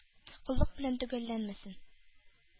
Коллык белән төгәлләнмәсен!